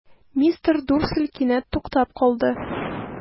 Мистер Дурсль кинәт туктап калды.